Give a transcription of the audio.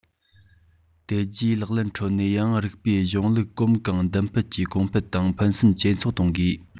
དེ རྗེས ལག ལེན ཁྲོད ནས ཡང རིགས པའི གཞུང ལུགས གོམ གང མདུན སྤོས ཀྱིས གོང སྤེལ དང ཕུན སུམ ཇེ ཚོགས གཏོང དགོས